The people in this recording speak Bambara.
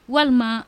Walima